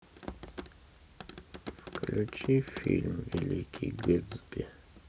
включи фильм великий гэтсби